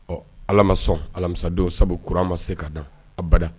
Ɔ ala ma sɔn alamisadenw sabu k ko ma se ka dan a bada